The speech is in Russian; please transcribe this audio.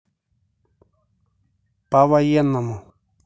по военному